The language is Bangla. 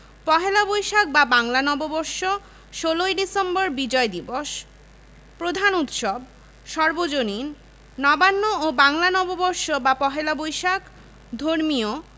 পহেলা বৈশাখ বা বাংলা নববর্ষ ১৬ই ডিসেম্বর বিজয় দিবস প্রধান উৎসবঃ সর্বজনীন নবান্ন ও বাংলা নববর্ষ বা পহেলা বৈশাখ ধর্মীয়